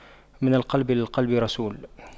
من القلب للقلب رسول